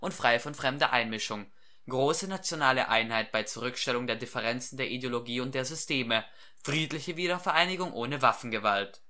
frei von fremder Einmischung, große nationale Einheit bei Zurückstellung der Differenzen der Ideologie und der Systeme, friedliche Wiedervereinigung ohne Waffengewalt